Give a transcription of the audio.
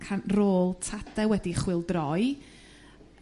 can- rôl tade wedi chwildroi